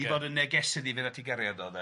...i fod yn negesydd i fynd at ei gariad o de.